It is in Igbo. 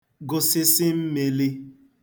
gụsịsị mmīlī